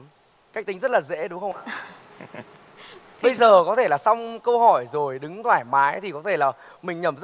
cách tính rất là dễ đúng không ạ bây giờ có thể là xong câu hỏi rồi đứng thoải mái thì có thể là mình nhẩm rất